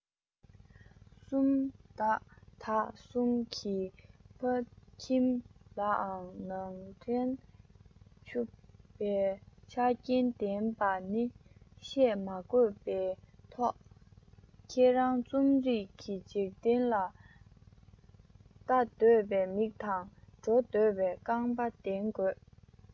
སུམ རྟགས དག གསུམ གྱི ཕ ཁྱིམ ལའང ནང བྱན ཆུབ པའི ཆ རྐྱེན ལྡན པ ནི བཤད མ དགོས པའི ཐོག ཁྱོད རང རྩོམ རིག གི འཇིག རྟེན ལ ལྟ འདོད ཀྱི མིག དང འགྲོ འདོད ཀྱི རྐང པ ལྡན དགོས